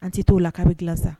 An tɛ t' o la k'a bɛ dilan sa